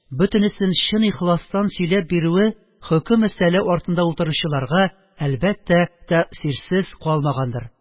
Бөтенесен чын ихластан сөйләп бирүе хөкем өстәле артында утыручыларга, әлбәттә, тәэсирсез калмагандыр.